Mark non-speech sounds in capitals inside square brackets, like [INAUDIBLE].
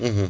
[HESITATION] [HESITATION]